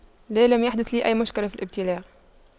لا لم يحدث لي أي مشكلة في الابتلاع